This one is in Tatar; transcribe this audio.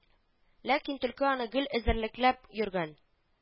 Ләкин төлке аны гел эзәрлекләп йөргән